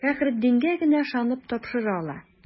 Фәхреддингә генә ышанып тапшыра ала.